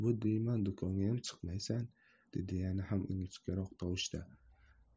bu deyman do'kongayam chiqmaysan dedi yana ham ingichkaroq tovushda